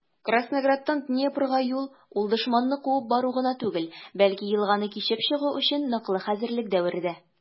Краснограддан Днепрга юл - ул дошманны куып бару гына түгел, бәлки елганы кичеп чыгу өчен ныклы хәзерлек дәвере дә.